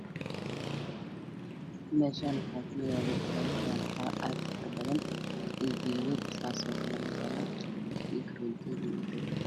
Meshan waxaa ku yala dabaqyo aad ufara badan iyo geedo sidoo kale aad ubadan